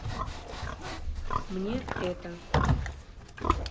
мне это